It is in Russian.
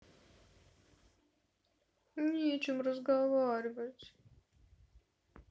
нечем разговаривать